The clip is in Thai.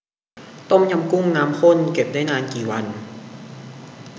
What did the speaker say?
ต้มยำกุ้งน้ำข้นเก็บได้นานกี่วัน